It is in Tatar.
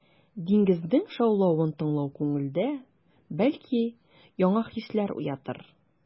Диңгезнең шаулавын тыңлау күңелдә, бәлки, яңа хисләр уятыр.